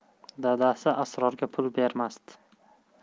dadasi asrorga pul bermasdi